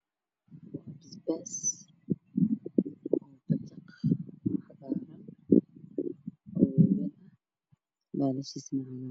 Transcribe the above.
Waxaa ka baxaayo geed basbaas midabkiisu yahay cagaar dhulka waa ciid